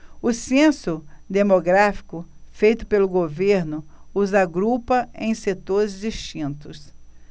o censo demográfico feito pelo governo os agrupa em setores distintos